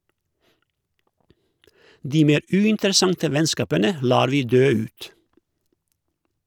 De mer uinteressante vennskapene lar vi dø ut.